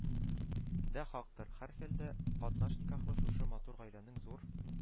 Дә хактыр: һәрхәлдә, катнаш никахлы шушы матур гаиләнең зур